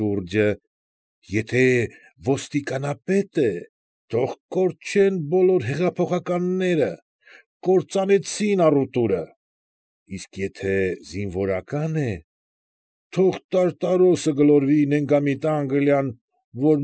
Շուրջը, եթե ոստիկանապետ է, թող կորչեն բոլոր հեղափոխականները, որ կործանեցին առուտուրը, իսկ եթե զինվորական է, թող տարտարոսը գլորվի նենգամիտ Անգլիան, որ։